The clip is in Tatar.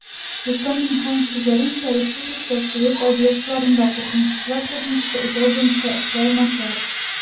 Рөстәм Миңнеханов сүзләренчә, республикада төзелеш объектларында куркынычсызлык техникасын үтәү буенча эшләр начар